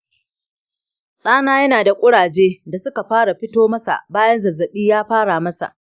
ɗana yana da kuraje da suka fara fito masa bayan zazzabi ya fara masa.